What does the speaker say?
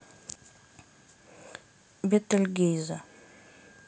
бетельгейзе